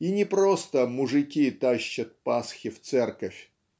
и не просто мужики тащат пасхи в церковь